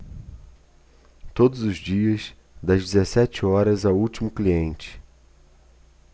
todos os dias das dezessete horas ao último cliente